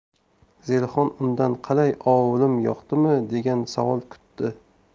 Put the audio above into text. zelixon undan qalay ovulim yoqdimi degan savol kutdi